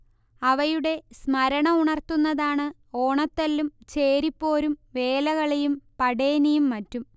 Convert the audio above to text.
അവയുടെ സ്മരണ ഉണർത്തുന്നതാണ് ഓണത്തല്ലും ചേരിപ്പോരും വേലകളിയും പടേനിയും മറ്റും